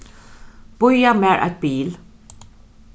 bíða mær eitt bil